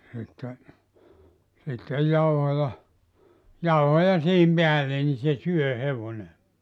sitten sitten jauhoja jauhoja siihen päälle niin se syö hevonen